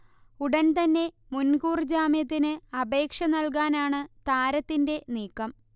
ഉടൻ തന്നെ മുൻകൂർ ജാമ്യത്തിന് അപേക്ഷ നൽകാനാണ് താരത്തിന്റെ നീക്കം